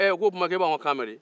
u ko o tuma e b'anw ka kan mɛn de